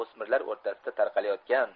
o'smirlar o'rtasida tarqalayotgan